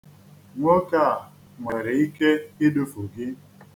Nwoke a nwere ike idufu gị.